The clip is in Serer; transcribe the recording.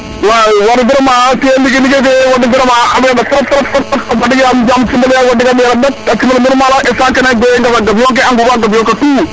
waw vraiment tige ligey fe vraiment a mosa trop trop